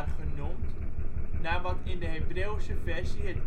genoemd, naar wat in de Hebreeuwse versie het